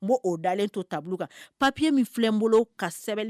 Bo o dalen to tableau kan . papiers min filɛ n bolo ka sɛbɛn